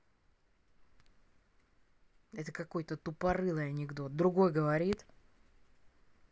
это какой то тупорылый анекдот другой говорит